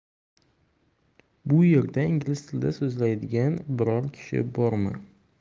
bu yerda ingliz tilida so'zlaydigan biror kishi bormi